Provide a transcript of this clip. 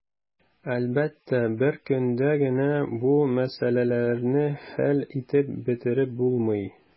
Әлбәттә, бер көндә генә бу мәсьәләләрне хәл итеп бетереп булмый.